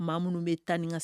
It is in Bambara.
Maa minnu bɛ tan nika